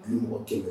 Mɔgɔ kelen ye